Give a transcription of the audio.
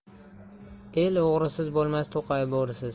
el o'g'risiz bo'lmas to'qay bo'risiz